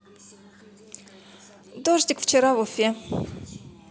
дождик вчера в уфе